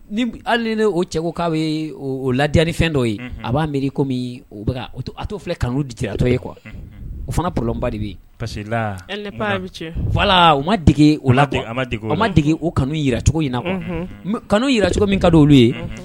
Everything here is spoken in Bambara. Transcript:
Ni hali o cɛ' ye ladiyaani fɛn dɔ ye a b'a miiri i kɔmi o a to filɛ kanu ditiratɔ ye qu o fana pba de bɛ u ma dege o la o ma dege o kanu jiracogo inina kanu jiracogo min ka don' ye